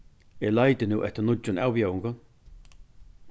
eg leiti nú eftir nýggjum avbjóðingum